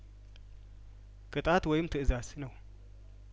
ቅጣት ወይም ትእዛዝ ነው